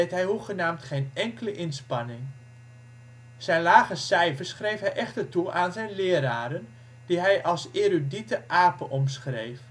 hoegenaamd geen enkele inspanning. Zijn lage cijfers schreef hij echter toe aan zijn leraren, die hij als ' erudiete apen ' omschreef